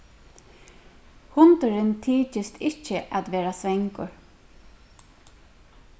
hundurin tykist ikki at vera svangur